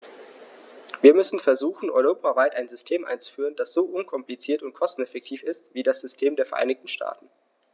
Wir müssen versuchen, europaweit ein System einzuführen, das so unkompliziert und kosteneffektiv ist wie das System der Vereinigten Staaten.